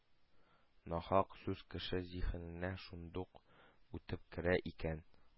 Нахак сүз кеше зиһененә шундук үтеп керә икән,